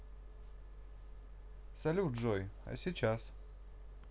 салют джой а сейчас